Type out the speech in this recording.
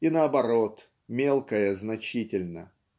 и наоборот, мелкое значительно.